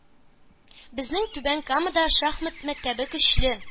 Безнең Түбән Камада шахмат мәктәбе көчле,